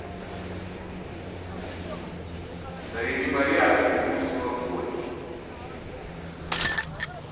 наведи порядок и будь свободен